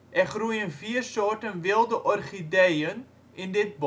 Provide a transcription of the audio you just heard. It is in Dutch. groeien 4 soorten wilde orchideeën in dit bos